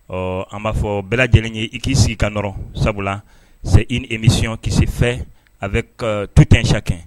Ɔ an b'a fɔ bɛɛ lajɛlen ye i k'i sigi ka nɔrɔ sabula c'est une emission qui se fait avec tout un chacun